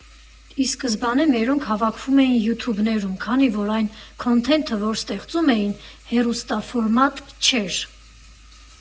Ի սկզբանե մերոնք հավաքվում էին յութուբներում, քանի որ այն քոնթենթը, որ ստեղծում էին, հեռուստաֆորմատ չէր։